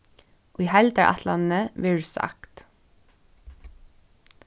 í heildarætlanini verður sagt